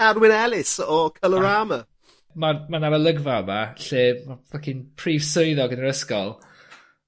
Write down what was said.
Carwyn Ellis o Colorama. Ma' ma' 'na olygfa yma lle ma' ffycin prof swyddog yn yr ysgol